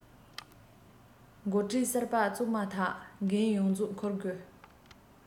འགོ ཁྲིད གསར པ བཙུགས མ ཐག འགན ཡོངས རྫོགས འཁུར དགོས